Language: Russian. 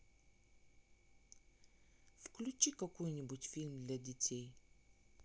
включи какой нибудь фильм для детей